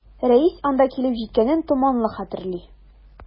Рәис анда килеп җиткәнен томанлы хәтерли.